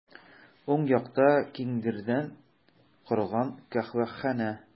Уң якта киндердән корылган каһвәханә.